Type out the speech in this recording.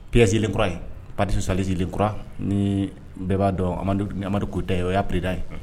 Perezelenkura ye pas salenelenkura ni bɛɛ b'a dɔn amadu ko ta ye o y'a pleda ye